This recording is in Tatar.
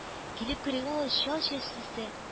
Килеп керүгә үк чал чәчлесе